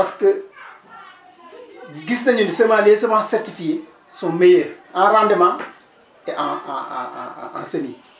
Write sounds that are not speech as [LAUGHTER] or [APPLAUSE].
parce que [CROSSTALK] gis nañu ne seulement les semences certifiées sont meilleures en rendement et en en en en en en semis